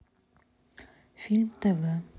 фильмы тв